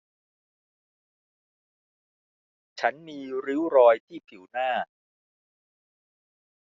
ฉันมีริ้วรอยที่ผิวหน้า